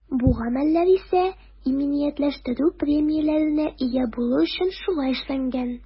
Бу гамәлләр исә иминиятләштерү премияләренә ия булу өчен шулай эшләнгән.